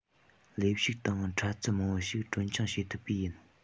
ལས ཤུགས དང པྲ ཚིལ མང པོ ཞིག གྲོན ཆུང བྱེད ཐུབ པས ཡིན